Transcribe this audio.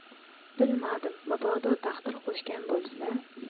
bilmadim mabodo taqdir qo'shgan bo'lsa